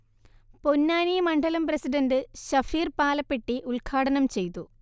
പൊന്നാനി മണ്ഡലം പ്രസിഡണ്ട് ശഫീർ പാലപ്പെട്ടി ഉൽഘാടനം ചെയ്തു